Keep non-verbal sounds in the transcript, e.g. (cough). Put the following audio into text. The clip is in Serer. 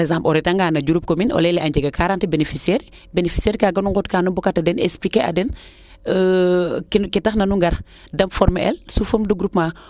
par exemple o reta nga no Diouroup commune o leyele a njega quarante benficiaire beneficiaire kaaga nu ŋot kaa nu mboka ta den expliquer a den (hesitation) ke taxna nu ngar de former el sous forme de groupement